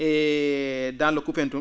e dans le *